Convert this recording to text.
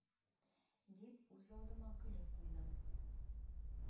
Дип, үзалдыма көлеп куйдым